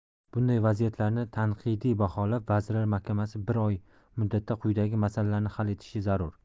bunday vaziyatlarni tanqidiy baholab vazirlar mahkamasi bir oy muddatda quyidagi masalalarni hal etishi zarur